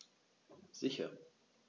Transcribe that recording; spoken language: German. Sicher.